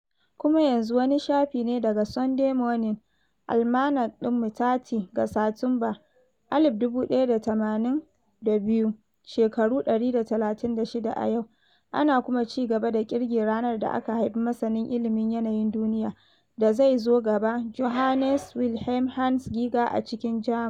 Kuma yanzu wani shafi ne daga "Sunday Morning" Almanac ɗinmu: 30 ga Satumba, 1882, shekaru 136 a yau, ana kuma CI GABA DA ƙIRGE ... ranar da aka haifi masanin ilmin yanayin duniya da zai so gaba Johannes Wilhelm "Hans" Geiger a cikin Jamus.